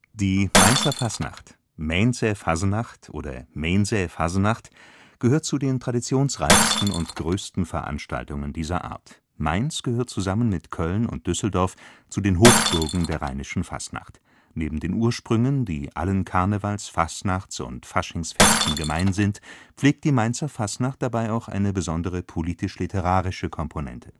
Die Mainzer Fastnacht („ Määnzer Fassenacht “oder „ Meenzer Fassenacht “) gehört zu den traditionsreichsten und größten Veranstaltungen dieser Art. Mainz gehört zusammen mit Köln und Düsseldorf zu den Hochburgen der rheinischen Fastnacht. Neben den Ursprüngen, die allen Karnevals -, Fastnachts - und Faschingsfesten gemein sind, pflegt die Mainzer Fastnacht dabei auch eine besondere politisch-literarische Komponente